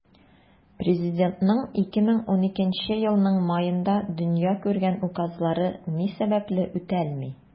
Президентның 2012 елның маенда дөнья күргән указлары ни сәбәпле үтәлми?